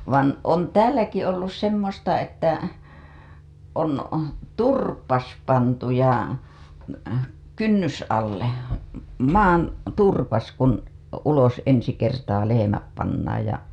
vaan on täälläkin ollut semmoista että on turpa pantu ja kynnysalle maan turpa kun ulos ensi kertaa lehmät pannaan ja